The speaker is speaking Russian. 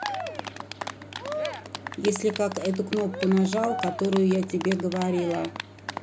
если как эту кнопку нажал которую я тебе говорила